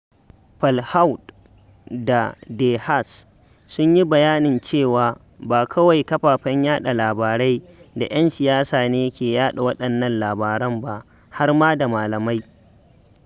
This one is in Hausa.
Falhauɗ da De Haas sun yi bayanin cewa ba kawai "kafafen yaɗa labarai da 'yan siyasa' ne ke yaɗa waɗannan labarai ba har ma da malamai.